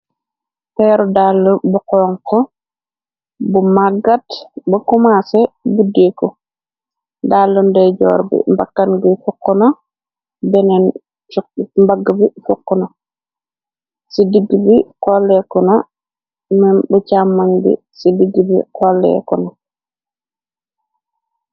Peeru dall bu xonk bu maggat ba kumase buddeeku dallu Ndey joor bi mbakkan gi fukkuna beneen mbagg bi fukqu na ci dijg bi xoleeku na nem bu càmman bi ci dijg bi xolleeku na.